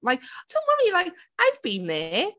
Like don't worry, like I've been there.